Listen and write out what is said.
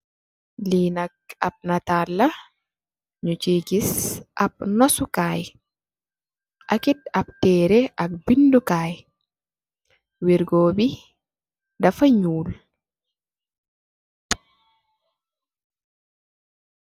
Lii nak, ab nataal la, ñu ciy gis ab nasukaay, ak ab tërre ak bindu kaay. Wegoo bi, dafa ñuul.